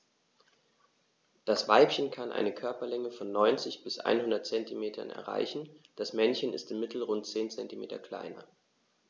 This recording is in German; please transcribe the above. Das Weibchen kann eine Körperlänge von 90-100 cm erreichen; das Männchen ist im Mittel rund 10 cm kleiner.